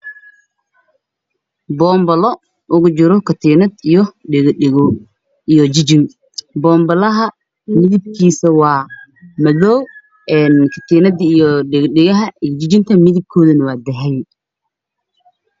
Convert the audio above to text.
Boon balo ugu jiro katiinad iyo dhagdhag boon balah midabkiisu waa madi katiinad dhagdhgah iyo jijinta midabkoida waavdahbidahbi